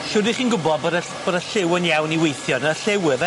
Shwd 'ych chi'n gwbo bod y ll- bod y lliw yn iawn i weithio? 'Na lliw yfe?